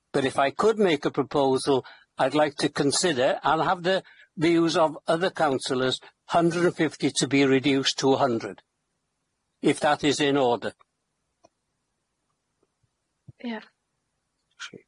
But if I could make a proposal I'd like to consider, and have the views of other councillors, hundred and fifty to be reduced to hundred if that is in order. Ia.